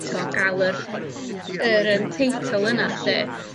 t'wo' ga'l yr yr yym teitl yna 'lly